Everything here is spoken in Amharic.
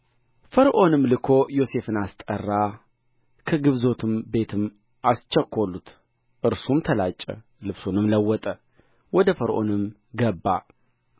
ፈርዖንም ልኮ ዮሴፍን አስጠራ ከግዞት ቤትም አስቸኰሉት እርሱም ተላጨ ልብሱንም ለወጠ ወደ ፈርዖንም ገባ